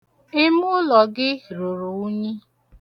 Imụlọ gị ruru unyi.